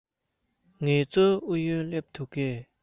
ངལ རྩོལ ཨུ ཡོན སླེབས འདུག གས